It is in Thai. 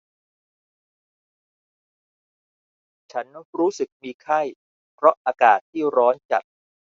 ฉันรู้สึกมีไข้เพราะอากาศที่ร้อนจัด